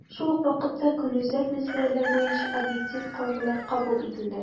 Шул ук вакытта, көнүзәк мәсьәләләр буенча объектив карарлар кабул ителде.